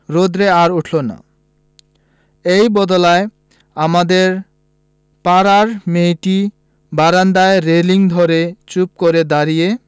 রোদ্র আর উঠল না এই বাদলায় আমাদের পাড়ার মেয়েটি বারান্দায় রেলিঙ ধরে চুপ করে দাঁড়িয়ে